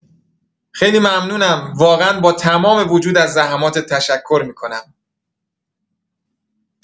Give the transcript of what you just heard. خیلی ممنونم، واقعا با تمام وجود از زحماتت تشکر می‌کنم.